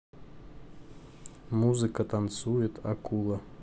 музыка танцует акула